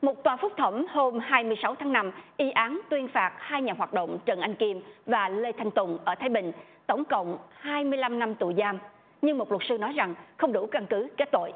một tòa phúc thẩm hôm hai mươi sáu tháng năm y án tuyên phạt hai nhà hoạt động trần anh kim và lê thanh tùng ở thái bình tổng cộng hai mươi lăm năm tù giam như một luật sư nói rằng không đủ căn cứ kết tội